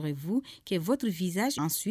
Ka vz